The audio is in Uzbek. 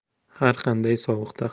har qanday sovuqda